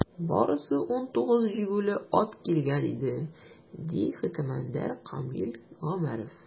Барысы 19 җигүле ат килгән иде, - ди хөкемдар Камил Гомәров.